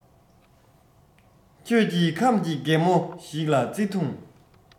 ཁྱོད ཀྱིས ཁམས ཀྱི རྒན མོ ཞིག ལ བརྩེ དུང